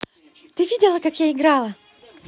ты видела как я играла